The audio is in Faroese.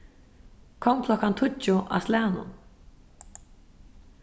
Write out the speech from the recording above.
kom klokkan tíggju á slagnum